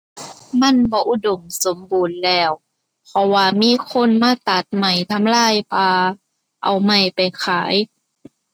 มันบ่อุดมสมบูรณ์แล้ว เพราะว่ามีคนมาตัดไม้ทำลายป่า เอาไม้ไปขาย